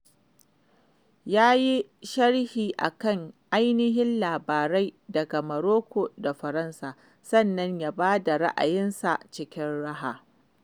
Ya yi sharhi a kan ainihin labarai daga Morocco da Faransa sannan ya ba da ra'ayinsa cikin raha.